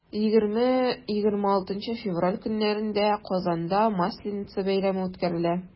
20-26 февраль көннәрендә казанда масленица бәйрәме үткәрелә.